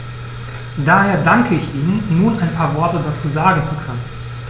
Daher danke ich Ihnen, nun ein paar Worte dazu sagen zu können.